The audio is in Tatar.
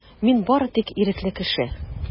Мин бары тик ирекле кеше.